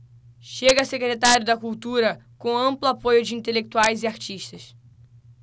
chega a secretário da cultura com amplo apoio de intelectuais e artistas